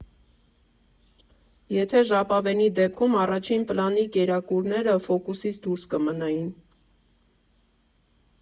Եթե ժապավենի դեպքում առաջին պլանի կերակուրները ֆոկուսից դուրս կմնային։